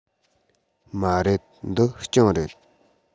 མ རེད འདི གྱང རེད